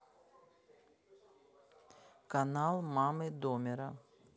канал мамы домера